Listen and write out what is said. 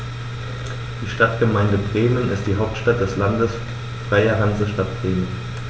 Die Stadtgemeinde Bremen ist die Hauptstadt des Landes Freie Hansestadt Bremen.